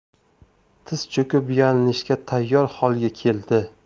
tiz cho'kib yalinishga tayyor holga keldi